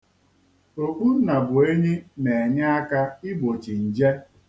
Okpunnabụenyi na-enye aka igbochi nje.